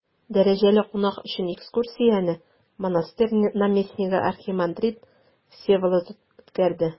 Дәрәҗәле кунак өчен экскурсияне монастырь наместнигы архимандрит Всеволод үткәрде.